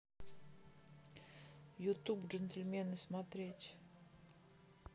ютуб джентльмены смотреть